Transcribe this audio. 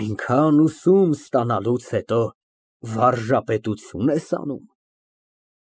Այնքան ուսում ստանալուց հետո վարժապետությո՞ւն ես անում։